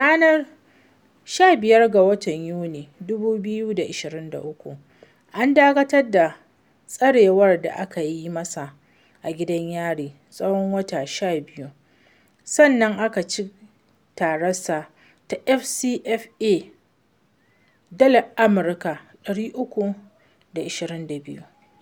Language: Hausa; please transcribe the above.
A ranar 15 ga watan Yunin 2023, an dakatar da tsarewar da aka yi masa a gidan Yari tsawon wata 12, sannan aka ci tararsa ta FCFA (Dalar Amurka 322).